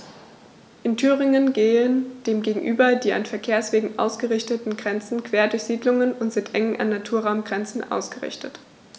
In Thüringen gehen dem gegenüber die an Verkehrswegen ausgerichteten Grenzen quer durch Siedlungen und sind eng an Naturraumgrenzen ausgerichtet.